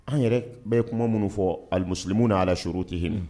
An yɛrɛ bɛɛ kuma minnu fɔɔ alimuslimuna ala surutihim unhun